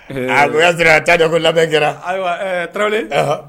A a taaa da labɛn kɛra ayiwa taraweleli